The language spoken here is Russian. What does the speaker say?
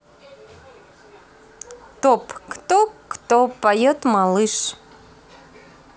топ кто кто поет малыш